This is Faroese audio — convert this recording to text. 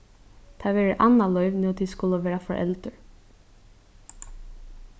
tað verður annað lív nú tit skulu vera foreldur